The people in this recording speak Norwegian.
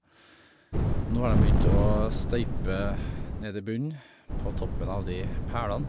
Nå har dem begynt å støype nedi bunn, på toppen av de pælene.